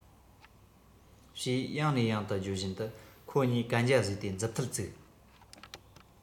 ཞེས ཡང ནས ཡང དུ བརྗོད བཞིན དུ ཁོ གཉིས གན རྒྱ བཟོས ཏེ མཛུབ ཐེལ བཙུགས